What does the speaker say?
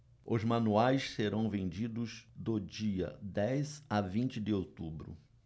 os manuais serão vendidos do dia dez a vinte de outubro